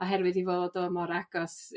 oherwydd 'i fod o mor agos